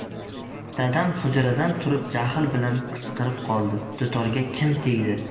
dadam hujradan turib jahl bilan qichqirib qoldi dutorga kim tegdi